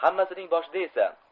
hammasining boshida esa